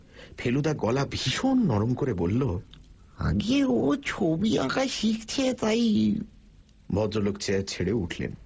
ফেলুদা গলা ভীষণ নরম করে বলল আজ্ঞে ও ছবি আঁকা শিখছে তাই ভদ্রলোক চেয়ার ছেড়ে উঠলেন